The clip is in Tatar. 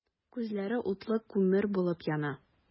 Күзләре утлы күмер булып яна.